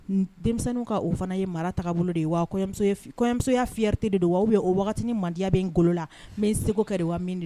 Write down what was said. Denmisɛnninw ka o fana ye mara tagabolo de ye wa kɔɲɔmusoya fierté de don wa oubien wagati mandiya bɛ n golo la n bi se ko kɛ de wa